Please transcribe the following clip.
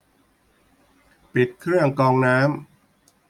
ปิดเครื่องกรองน้ำ